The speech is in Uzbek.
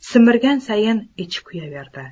simirgan sayin ichi kuyaverdi